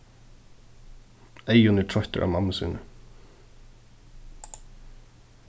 eyðun er troyttur av mammu síni